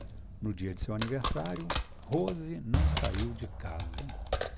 no dia de seu aniversário rose não saiu de casa